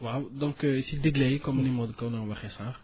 waa donc si digle yi comme ni ma ko doon waxee sànq